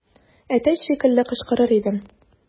Әтәч шикелле кычкырыр идем.